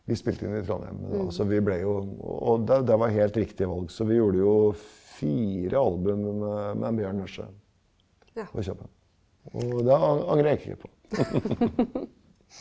vi spilte inn i Trondheim, det var så vi ble jo og det det var helt riktige valg, så vi gjorde jo fire album med med Bjørn Nessjø på kjøpet og det angrer jeg ikke på .